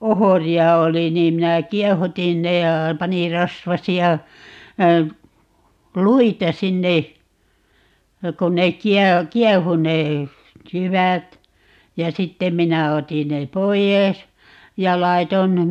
ohria oli niin minä kiehutin ne ja panin rasvaisia luita sinne ja kun ne - kiehui ne jyvät ja sitten minä otin ne pois ja laitoin